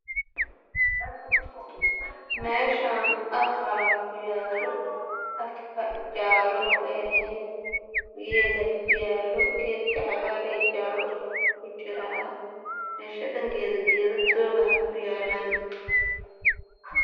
Meeshaan aqal ayaa kuyaalo geed ayaa kuyaalo dooga h